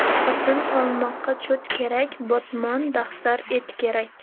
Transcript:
xotin olmoqqa cho't kerak botmon dahsar et kerak